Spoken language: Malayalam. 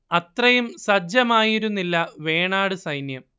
അത്രയും സജ്ജമായിരുന്നില്ല വേണാട് സൈന്യം